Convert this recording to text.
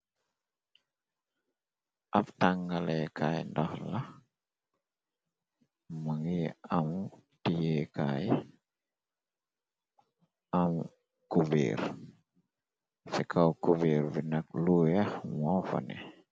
ab tàngaleekaay dohok la mi ngi am tiyéekaay am coubir ci kaw coubir bi nag luweex moo fah ne.